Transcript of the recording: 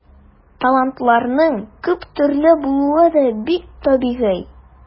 Талантларның күп төрле булуы да бик табигый.